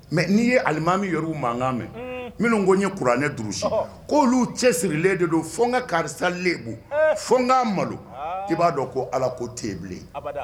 Mɛ n'i ye alimami y mankan mɛn minnu ko n ye kuranɛ duuru k' olu cɛ sirilen de don fo ka karisa lenku fo' malo i b'a dɔn ko ala ko tbilen